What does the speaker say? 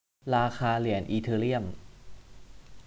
ราคาเหรียญอีเธอเรียม